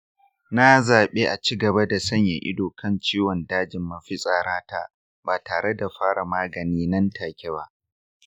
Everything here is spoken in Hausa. na zaɓi a ci gaba da sanya ido kan ciwon dajin mafitsara ta ba tare da fara magani nan take ba.